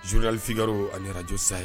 Journal Figaro ani radio sahel